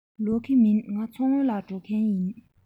ལོག གི མིན ང མཚོ སྔོན ལ འགྲོ མཁན ཡིན